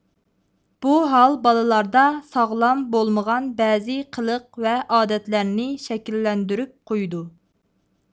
بۇ ھال بالىلاردا ساغلام بولمىغان بەزى قىلىق ۋە ئادەتلەرنى شەكىللەندۈرۈپ قويىدۇ